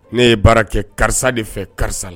Ne ye baara kɛ karisa de fɛ karisa la